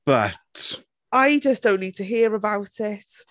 But... I just don't need to hear about it.